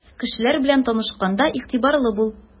Кешеләр белән танышканда игътибарлы бул.